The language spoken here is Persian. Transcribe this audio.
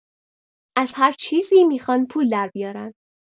از هر چیزی می‌خوان پول دربیارند.